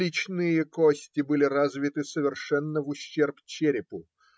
Личные кости были развиты совершенно в ущерб черепу